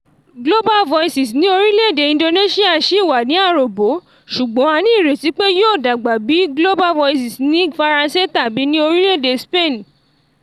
Global Voices ní orílẹ̀-èdè Indonesia sì wà ní aròbó ṣùgbọ́n a ní ìrètí pé yóò dàgbà bíi Global Voices ní Faransé tàbí ní orílẹ̀ èdè Spain.